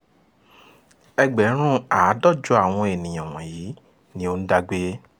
Ẹgbẹ̀rún 150 àwọn ènìyàn wọ̀nyí ni ó ń dá gbé.